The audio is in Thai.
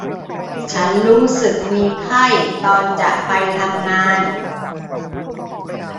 ฉันรู้สึกมีไข้ตอนจะไปทำงาน